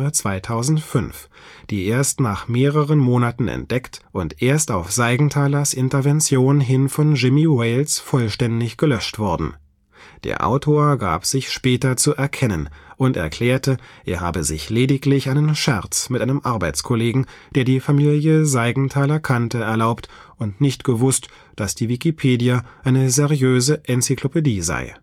2005, die erst nach mehreren Monaten entdeckt und erst auf Seigenthalers Intervention hin von Jimmy Wales vollständig gelöscht wurden. Der Autor gab sich später zu erkennen und erklärte, er habe sich lediglich einen Scherz mit einem Arbeitskollegen, der die Familie Seigenthaler kannte, erlaubt und nicht gewusst, dass die Wikipedia eine seriöse Enzyklopädie sei